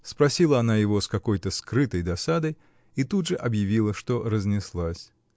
-- спросила она его с какой-то скрытой досадой и тут же объявила, что разнеслась.